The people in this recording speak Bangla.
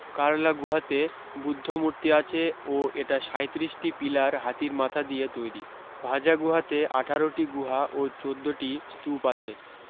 কারলা গূহাতে বুদ্ধ মূর্তি আছে ও এটা সাঁইত্রিশ টি পিলার হাতির মাথা দিয়ে তৈরী ভাজা গূহাতে আঠারো টি গূহা ও চোদ্দ টি স্তুপ আছে